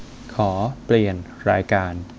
ขอเปลี่ยนรายการ